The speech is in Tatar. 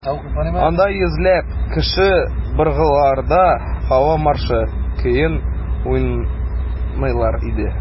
Анда йөзләп кеше быргыларда «Һава маршы» көен уйныйлар иде.